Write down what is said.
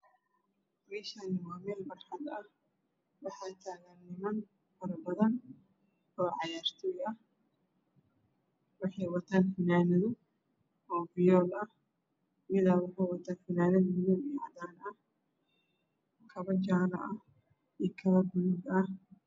Meeshaan waa meel barxad ah waxaa taagan niman faro badan oo cayaartoy ah waxay wataan fanaanado oo fiyool ah midna fanaanad madow iyo cadaan ah. Kabo jaalo ah iyo kabo buluug ah.